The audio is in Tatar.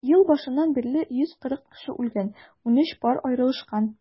Ел башыннан бирле 140 кеше үлгән, 13 пар аерылышкан.